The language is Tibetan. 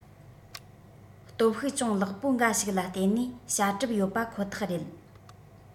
སྟོབས ཤུགས ཅུང ལེགས པོ འགའ ཞིག ལ བརྟེན ནས བྱ གྲབས ཡོད པ ཁོ ཐག རེད